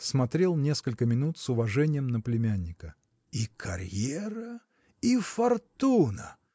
смотрел несколько минут с уважением на племянника. – И карьера и фортуна!